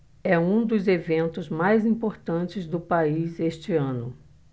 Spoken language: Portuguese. é um dos eventos mais importantes do país este ano